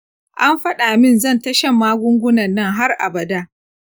an faɗa min zan ta shan magungunan nan har abada.